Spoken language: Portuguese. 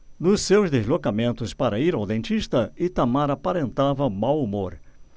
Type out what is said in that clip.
nos seus deslocamentos para ir ao dentista itamar aparentava mau humor